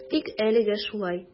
Тик әлегә шулай.